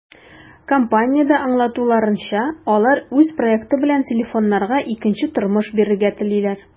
Компаниядә аңлатуларынча, алар үз проекты белән телефоннарга икенче тормыш бирергә телиләр.